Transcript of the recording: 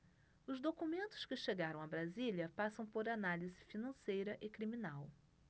os documentos que chegaram a brasília passam por análise financeira e criminal